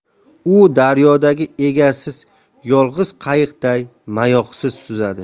u daryodagi egasiz yolg'iz qayiqday mayoqsiz suzadi